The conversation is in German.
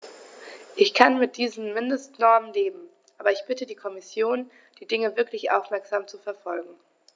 Ich kann mit diesen Mindestnormen leben, aber ich bitte die Kommission, die Dinge wirklich aufmerksam zu verfolgen.